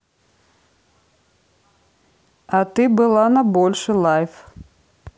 а ты была на больше live